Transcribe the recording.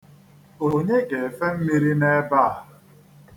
Onye ga-efe mmiri n'ebe a?